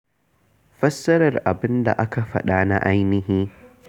Fassara Abin da aka faɗa na ainihi